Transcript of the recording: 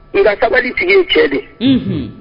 Nkabalitigi cɛ di unhun